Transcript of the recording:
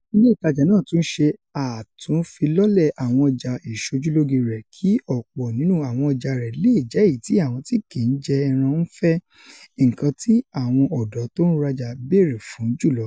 Ilé ìtajà náà tún ńṣe àtúnfilọ́lẹ̀ àwọn ọjà ìṣojúlóge rẹ̀ kí ọ̀pọ̀ nínú àwọn ọjà rẹ̀ leè jẹ èyití àwọn tí kìí jẹ ẹran ńfẹ́ - nǹkan ti àwọn ọ̀dọ́ tó ńrajà ńbèèré fún jùlọ.